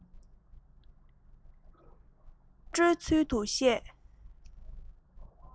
སྔོན འགྲོའི ཚུལ དུ བཤད